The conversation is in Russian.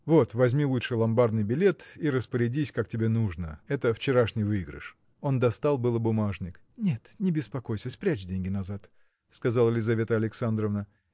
– вот возьми лучше ломбардный билет и распорядись как тебе нужно это вчерашний выигрыш. Он достал было бумажник. – Нет не беспокойся спрячь деньги назад – сказала Лизавета Александровна